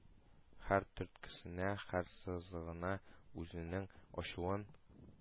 Һәр төрткесенә, һәр сызыгына үзенең ачуын,